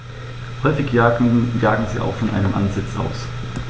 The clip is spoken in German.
Häufig jagen sie auch von einem Ansitz aus.